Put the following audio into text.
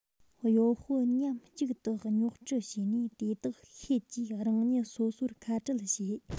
གཡོ སྤུ མཉམ གཅིག ཏུ རྙོག དཀྲི བྱས ནས དེ དག ཤེད ཀྱིས རང ཉིད སོ སོར ཁ བྲལ བར བྱེད